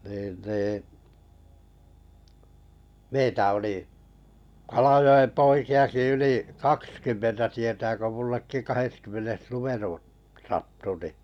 niin niin meitä oli Kalajoen poikiakin yli kaksikymmentä tietää kun minullekin kahdeskymmenes numero sattui niin